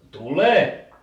tulee